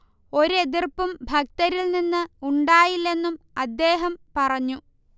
ഒരെതിർപ്പും ഭക്തരിൽനിന്ന് ഉണ്ടായില്ലെന്നും അദ്ദേഹം പറഞ്ഞു